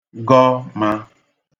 gọ mā